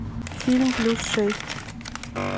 фильм плюс шесть